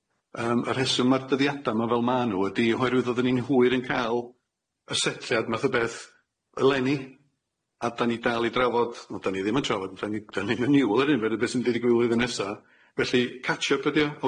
Yym y rheswm ma'r dyddiada ma' fel ma' n'w ydi oherwydd oddan ni'n hwyr yn ca'l y setliad math o beth eleni a dan ni dal i drafod wel dan ni ddim yn trafod dan ni dan ni'n y niwl yr hyn o bryd o beth sy'n mynd i ddigwydd flwyddyn nesa felly catch up ydi o